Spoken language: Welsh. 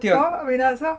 Do! A mi wnaeth o!